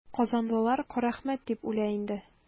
Казанлылар Карәхмәт дип үлә инде.